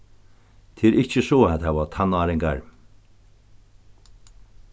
tað er ikki so at hava tannáringar